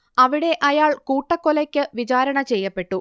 അവിടെ അയാൾ കൂട്ടക്കൊലയ്ക്ക് വിചാരണ ചെയ്യപ്പെട്ടു